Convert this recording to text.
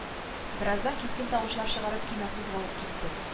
Бераздан кискен тавышлар чыгарып көймә кузгалып китте